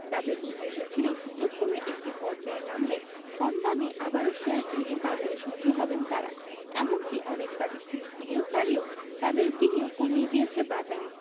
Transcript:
তাঁদের উদ্দেশ্য ছিল সূচক কমে একটি পর্যায়ে নামলে কম দামে আবারও শেয়ার কিনে বাজারে সক্রিয় হবেন তাঁরা এমনকি অনেক প্রাতিষ্ঠানিক বিনিয়োগকারীও তাদের বিনিয়োগ কমিয়ে দিয়েছে বাজারে